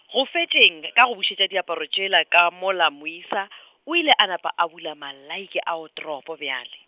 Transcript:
go fetšeng ka go bušetša diaparo tšela ka mola moisa , o ile a napa a bula malaiki a watropo bjale.